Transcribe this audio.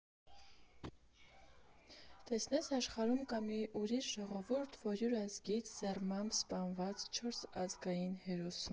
Տեսնես աշխարհում կա՞ մի ուրիշ ժողովուրդ, որ յուր ազգակցի ձեռամբ սպանված չորս ազգային հերոս ունի։